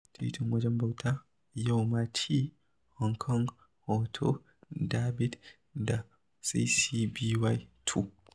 Titin wajen bauta, Yau Ma Tei, Hong Kong. Hoto: Daɓid Yan (CC BY 2.0)